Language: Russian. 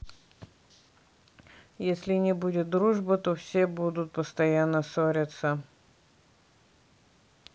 если не будет дружба то все будут постоянно ссориться